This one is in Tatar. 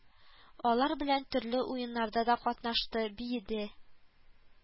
Алар белән төрле уеннарда да катнашты, биеде